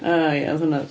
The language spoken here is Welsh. O ia, oedd hwnna'n...